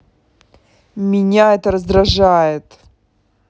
меня это раздражает